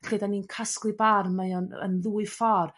Lle dyn ni'n casglu barn mae o'n yn ddwy ffor'